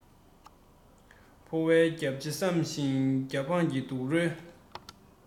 ཕོ བའི རྒྱགས ཕྱེ བསམ ཞིང སྐྱ འབངས ཀྱི བརྟུལ རོགས